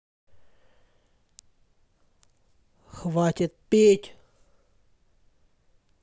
хватит пить